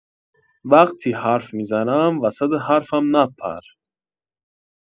وقتی حرف می‌زنم وسط حرفم نپر